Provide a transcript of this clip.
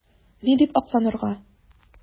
Ни дип акланырга?